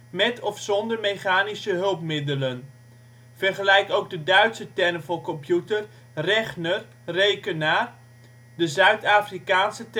met of zonder mechanische hulpmiddelen - vergelijk ook de Duitse term voor computer: " Rechner " (rekenaar) en de Zuid-Afrikaanse